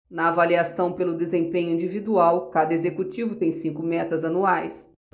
na avaliação pelo desempenho individual cada executivo tem cinco metas anuais